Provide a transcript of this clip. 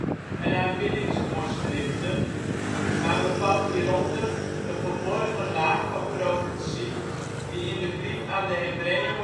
en aanbiddingsvoorschriften, maar bevat hieronder een verborgen laag van profetie die in de brief aan de Hebreeën